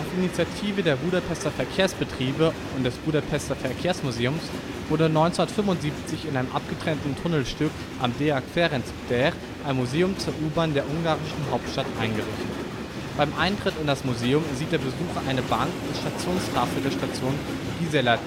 Initiative der Budapester Verkehrsbetriebe und des Budapester Verkehrsmuseums wurde 1975 in einem abgetrennten Tunnelstück am Deák Ferenc tér ein Museum zur U-Bahn der ungarischen Hauptstadt eingerichtet. Beim Eintritt in das Museum sieht der Besucher eine Bank und Stationstafel der Station Gizella